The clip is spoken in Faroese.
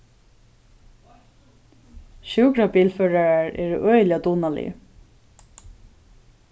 sjúkrabilførarar eru øgiliga dugnaligir